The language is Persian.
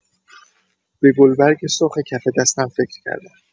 به گلبرگ سرخ کف دستم فکر کردم.